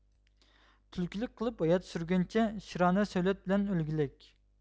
تۈلكىلىك قىلىپ ھايات سۈرگۈنچە شىرانە سۆۋلەت بىلەن ئۆلگىلىك